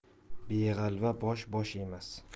beg'alva bosh bosh emas